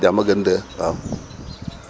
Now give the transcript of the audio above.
Diamaguene 2 waaw